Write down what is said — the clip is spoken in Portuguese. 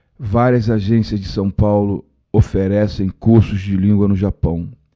várias agências de são paulo oferecem cursos de língua no japão